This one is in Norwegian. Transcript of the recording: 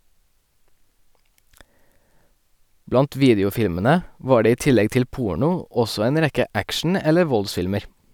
Blant videofilmene var det i tillegg til porno, også en rekke action- eller voldsfilmer.